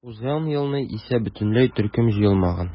Узган елны исә бөтенләй төркем җыелмаган.